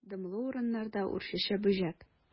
Дымлы урыннарда үрчүче бөҗәк.